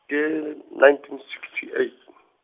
ke nineteen sixty eight .